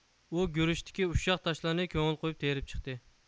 ئۇ گۈرۈچتىكى ئۇششاق تاشلارنى كۆڭۈل قويۇپ تېرىپ چىقتى